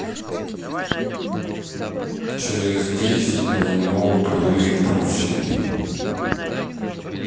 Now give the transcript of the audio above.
через десять минут выключись